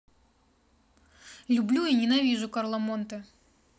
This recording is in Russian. люблю и ненавижу карла монте